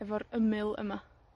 efo'r ymyl yma.